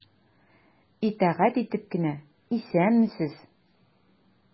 Итагать итеп кенә:— Исәнмесез!